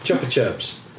Chuppa chups.